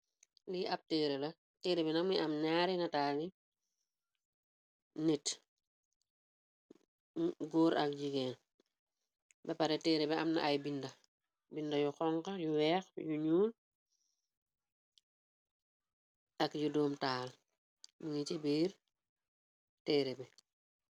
Lii ab téere la, tërre bi nak, mu ngi am ñaari nataali nit, góor ak jigéen. Ba pare teere bi amna ay binda yu xoñxu, yu weex, yu ñuul ak yu doom-taal mu ngi ci biir téere bi.